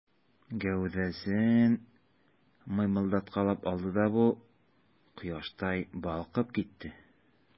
Гәүдәсен мыймылдаткалап алды да бу, кояштай балкып китте.